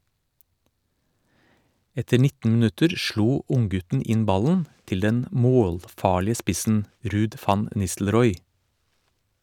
Etter 19 minutter slo unggutten inn ballen til den målfarlige spissen Ruud van Nistelrooy.